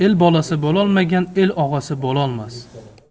el bolasi bo'lolmagan el og'asi bo'lolmas